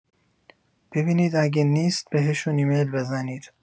ببینید اگه نیست بهشون ایمیل بزنید